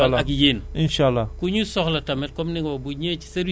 information bi jàll na